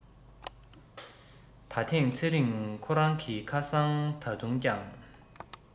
ད ཐེངས ཚེ རིང ཁོ རང གི ཁ སང ད དུང ཀྱང